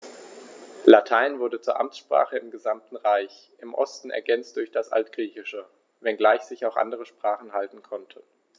Latein wurde zur Amtssprache im gesamten Reich (im Osten ergänzt durch das Altgriechische), wenngleich sich auch andere Sprachen halten konnten.